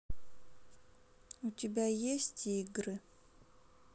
у тебя есть игры